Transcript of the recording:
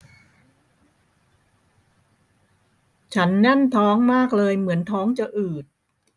ฉันแน่นท้องมากเลยเหมือนท้องจะอืด